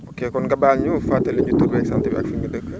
ok kon nga baal ñu fàttali ñu tur beeg sant bi ak fi nga dëkk